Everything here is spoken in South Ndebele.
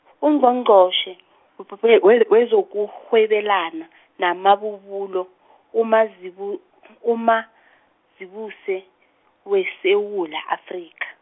Ungqongqotjhe, we- we- wezokurhwebelana, namabubulo, UMazibu- uMazibuse, weSewula Afrika.